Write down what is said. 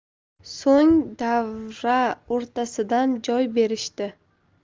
so'ng davra o'rtasidan joy berishdi